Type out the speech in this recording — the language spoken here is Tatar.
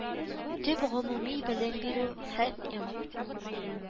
ТӨП ГОМУМИ БЕЛЕМ БИРҮ Һэ эМ